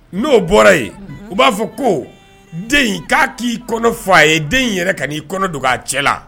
N'o bɔra ye unhun u b'a fɔ koo den in k'a k'i kɔnɔ fɔ a ye den in yɛrɛ ka n'i kɔnɔ dog'a cɛ la